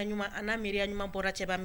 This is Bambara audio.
Ɲuman an'a miiri ɲuman bɔra cɛba min